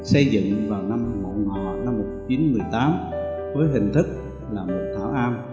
xây dựng vào năm mậu ngọ với hình thức là một thảo am